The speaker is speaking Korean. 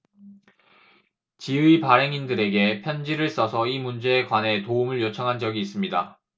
지의 발행인들에게 편지를 써서 이 문제에 관해 도움을 요청한 적이 있습니다